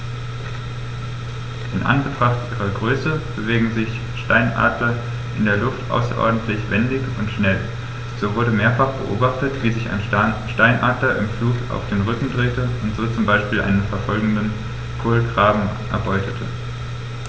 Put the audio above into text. In Anbetracht ihrer Größe bewegen sich Steinadler in der Luft außerordentlich wendig und schnell, so wurde mehrfach beobachtet, wie sich ein Steinadler im Flug auf den Rücken drehte und so zum Beispiel einen verfolgenden Kolkraben erbeutete.